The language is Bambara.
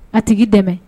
A tigi dɛ bɛn